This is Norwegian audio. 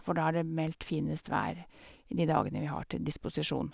For da er det meldt finest vær i de dagene vi har til disposisjon.